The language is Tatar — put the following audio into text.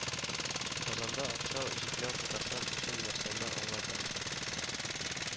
Казнада акча җитмәү Татарстан өчен нәрсәне аңлата